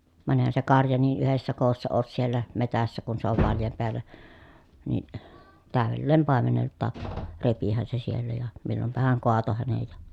vaan eihän se karja niin yhdessä koossa ole siellä metsässä kun se on vallan päällä niin täydelleen paimeneltakin repihän se siellä ja milloinpahan kaatoi hänen ja